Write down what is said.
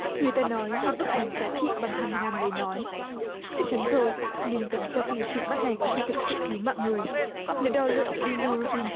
người ta nói một bức ảnh giá trị bằng hành ngang lấy nói chắc chắn rồi nhưng tấm selfie chụp mất này có thể thực sự cứu mạng người nên đo lượng billy robbins